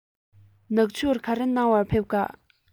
ནག ཆུར ག རེ གནང བར ཕེབས ཀ